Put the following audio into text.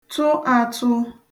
tụ àtụ